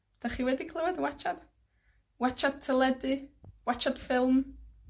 'Dach chi wedi clywed watsiad? Watsiad teledu, watsiad ffilm.